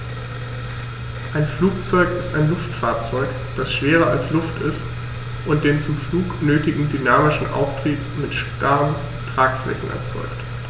Ein Flugzeug ist ein Luftfahrzeug, das schwerer als Luft ist und den zum Flug nötigen dynamischen Auftrieb mit starren Tragflächen erzeugt.